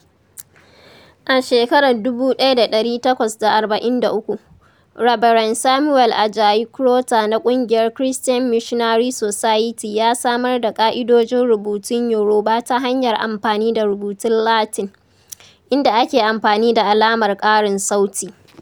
A shekarar 1843, Rabaren Samuel Àjàyí Crowther na ƙungiyar Christian Missionary Society ya samar da ƙa'idojin rubutun Yoruba ta hanyar amfani da rubutun Latin, inda ake amfani da alamar karin sauti.